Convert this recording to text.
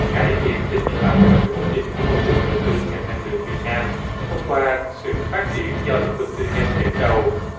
cải thiện tính minh bạch và sự ổn định của môi trường đầu tư ngành năng lượng việt nam thông qua sự phát triển do lĩnh vực tư nhân dẫn đầu